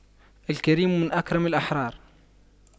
الكريم من أكرم الأحرار